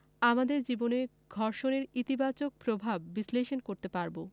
আমাদের জীবনে ঘর্ষণের ইতিবাচক প্রভাব বিশ্লেষণ করতে পারব